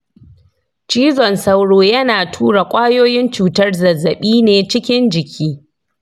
cizon sauro yana tura kwayoyin cutar zazzabi ne cikin jiki.